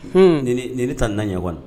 H ne taara n na ɲɔgɔn na